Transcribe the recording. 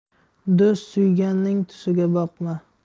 do'st suyganning tusiga boqma